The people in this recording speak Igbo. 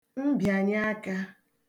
mbị̀anyeakā